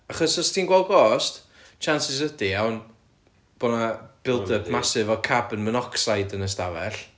Achos os ti'n gweld ghost chances ydy iawn bod 'na build-up massive o carbon monoxide yn y stafell